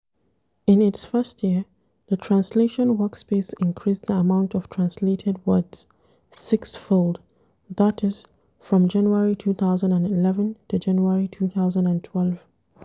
In its first year, the Translation Workspace increased the amount of translated words six-fold (from January 2011 to January 2012).